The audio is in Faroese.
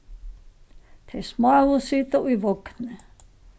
tey smáu sita í vogni